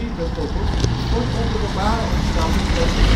bijvoorbeeld, wordt onder normale omstandigheden